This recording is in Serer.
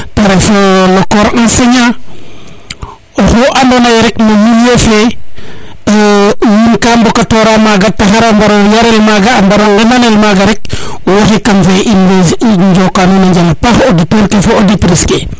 passer no corps enseignants oxu ando naye rek no milieu fe wiin ga mbokatora maga no taxar a mbaro njalel maga a ngemanel maga rek woxay kam fe i njoko nuuna njal a paax auditeur ke fo auditrice ke